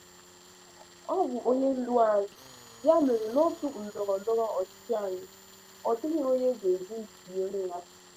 Ọ bụ onye ndu anyị, ya mere n'òtù ndọrọndọrọ ọchịchị anyị, ọ dịghị onye a ga-eji tụnyere ya.